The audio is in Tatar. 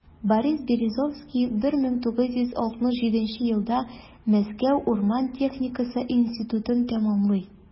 Борис Березовский 1967 елда Мәскәү урман техникасы институтын тәмамлый.